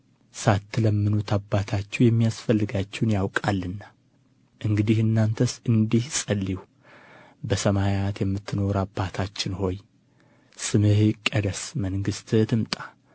ሳትለምኑት አባታችሁ የሚያስፈልጋችሁን ያውቃልና እንግዲህ እናንተስ እንዲህ ጸልዩ በሰማያት የምትኖር አባታችን ሆይ ስምህ ይቀደስ መንግሥትህ ትምጣ